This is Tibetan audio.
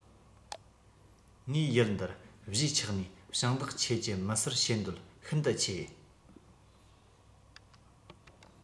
ངས ཡུལ འདིར གཞིས ཆགས ནས ཞིང བདག ཁྱེད ཀྱི མི སེར བྱེད འདོད ཤིན ཏུ ཆེ